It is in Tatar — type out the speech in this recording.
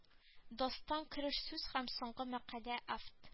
Дастан кереш сүз һәм соңгы мәкалә авт